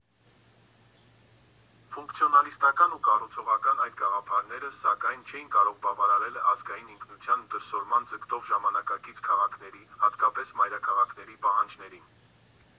Ֆունկցիոնալիստական ու կառուցողական այդ գաղափարները, սակայն, չէին կարող բավարարել «ազգային ինքնության» դրսևորման ձգտող ժամանակակից քաղաքների, հատկապես մայրաքաղաքների պահանջներին։